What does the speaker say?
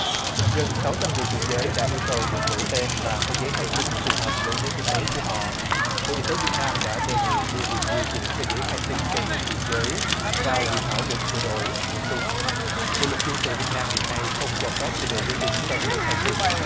gần sáu trăm người chuyển giới đã yêu cầu được đổi tên và có giấy khai sinh phù hợp với giới tính mới của họ bộ y tế việt nam đã đề nghị đưa việc điều chỉnh về giấy khai sinh cho người chuyển giới vào dự thảo luật sửa đổi bổ sung bộ luật dân sự việt nam hiện nay không cho phép sửa đổi giới tính trong giấy khai sinh